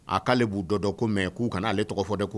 A k'ale b'u dɔ dɔn kɔmi mɛ k'u kana' ale tɔgɔ fɔ de ko